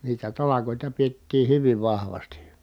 niitä talkoita pidettiin hyvin vahvasti